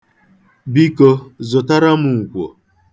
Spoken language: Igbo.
Biko, zụtara m nkwo.